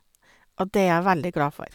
Og det er jeg veldig glad for.